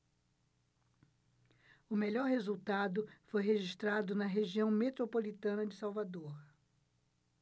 o melhor resultado foi registrado na região metropolitana de salvador